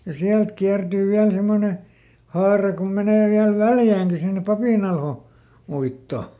ja sieltä kiertyy vielä semmoinen haara kun menee vielä Väljäänkin sinne - Papinalhouittoon